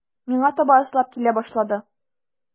Миңа таба ыслап килә башлады.